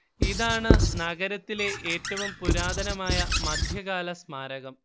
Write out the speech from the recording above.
ഇതാണ് നഗരത്തിലെ ഏറ്റവും പുരാതനമായ മധ്യകാല സ്മാരകം